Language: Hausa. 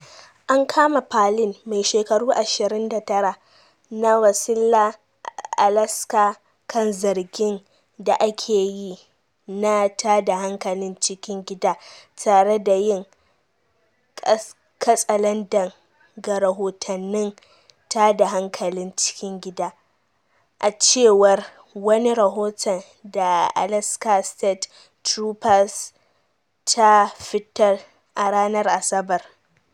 An kama Palin, mai shekaru 29, na Wasilla, Alaska, kan zargin da ake yi na tada hankalin cikin gida, tare da yin katsalandan ga rahotannin tada hankalin cikin gida, a cewar wani rahoton da Alaska State Troopers ta fitar, a ranar Asabar.